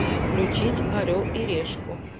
включить орел и решку